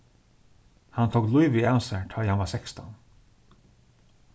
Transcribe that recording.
hann tók lívið av sær tá ið hann var sekstan